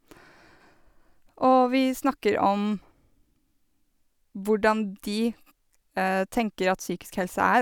Og vi snakker om hvordan de tenker at psykisk helse er.